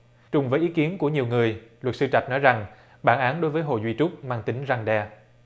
trùng ý kiến của nhiều người luật sư trạch nói rằng bản án đối với hồ duy trúc mang tính răn đe